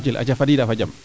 Khodjil aca fadiida fa jam